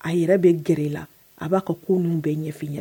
A yɛrɛ bɛ gɛrɛ e la a b'a ka ko ninnu bɛɛ ɲɛfin ɲɛ